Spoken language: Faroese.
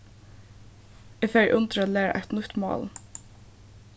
eg fari undir at læra eitt nýtt mál